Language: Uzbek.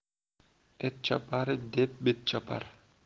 it chopar deb bit chopar